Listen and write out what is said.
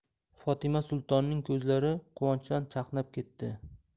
fotima sultonning ko'zlari quvonchdan chaqnab ketdi